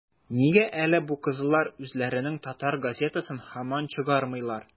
- нигә әле бу кызыллар үзләренең татар газетасын һаман чыгармыйлар?